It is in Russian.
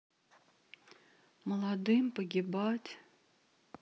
молодым погибать